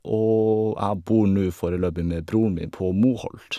Og jeg bor nå foreløpig med broren min på Moholt.